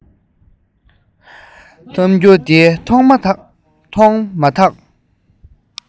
རྣམ འགྱུར དེ མཐོང མ ཐག